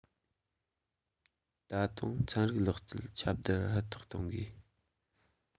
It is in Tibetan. ད དུང ཚན རིག ལག རྩལ སློབ གསོ ཁྱབ གདལ ཧུར ཐག བཏང དགོས